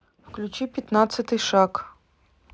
включи пятнадцатый шаг